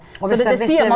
.